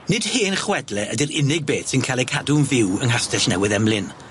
Nid hen chwedle ydi'r unig beth sy'n ca'l ei cadw'n fyw yng Nghastell Newydd Emlyn.